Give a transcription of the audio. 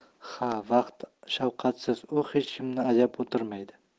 ha vaqt shafqatsiz u hech kimni ayab o'tirmaydi